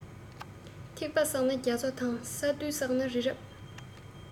ཐིགས པ བསགས ན རྒྱ མཚོ དང ས རྡུལ བསགས ན རི རབ